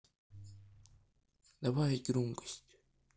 добавить громкость